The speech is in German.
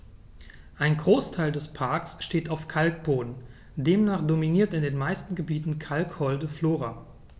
Ein Großteil des Parks steht auf Kalkboden, demnach dominiert in den meisten Gebieten kalkholde Flora.